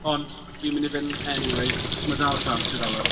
Ond dwi'n mynd i fynd anyway, achos mae dal chance i ddala.